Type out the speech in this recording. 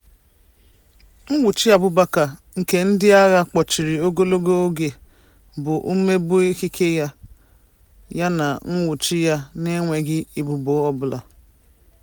Nwụchi Abubacar nke ndịagha kpọchiri ogologo oge bụ mmegbu ikike ya yana nwụchi ya n'enweghị ebubo ọbụla.